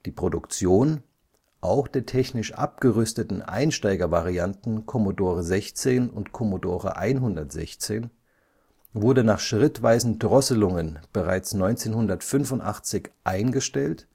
Produktion – auch der technisch abgerüsteten Einsteigervarianten Commodore 16 und Commodore 116 – wurde nach schrittweisen Drosselungen bereits 1985 eingestellt